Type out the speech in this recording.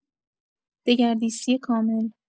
دگردیسی کامل